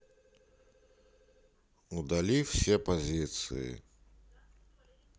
удали все позиции